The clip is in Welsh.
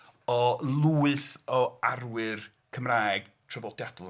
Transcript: ..o lwyth o arwyr Cymraeg trafoddiadol.